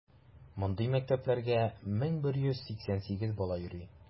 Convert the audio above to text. Мондый мәктәпләргә 1188 бала йөри.